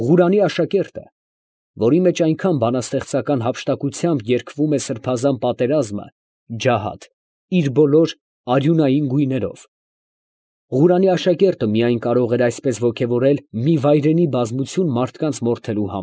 Ղորանի աշակերտը, ֊ որի մեջ այնքան բանաստեղծական հափշտակությամբ երգվում է սրբազան պատերազմը (ջահաթ) իր բոլոր արյունային գույներով, ֊ Ղորանի աշակերտը միայն կարող էր այսպես ոգևորել մի վայրենի բազմություն մարդկանց մորթելու։